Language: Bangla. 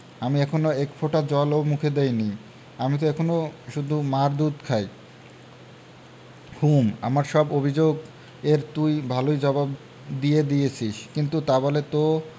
আমি এখনো এক ফোঁটা জল ও মুখে দিইনি আমি ত এখনো শুধু মার দুধ খাই হুম আমার সব অভিযোগ এর তুই ভালই জবাব দিয়ে দিয়েছিস কিন্তু তা বললে তো